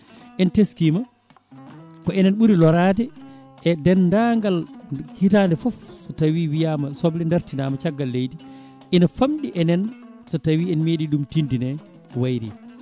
en teskima ko enen ɓuuri lorade e dendagal hitande foof so tawi wiyama soble dartinama caggal leydi ene famɗi ene so tawi en meeɗi vum tinde ne wayri